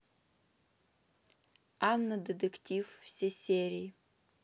анна детектив все серии